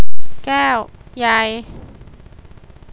แก้วใหญ่